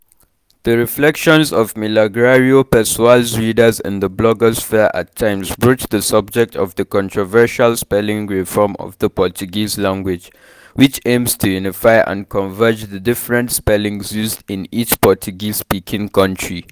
The reflections of Milagrário Pessoal‘s readers in the blogosphere at times broach the subject of the controversial Spelling Reform of the Portuguese language, which aims to unify and converge the different spellings used in each Portuguese-speaking country.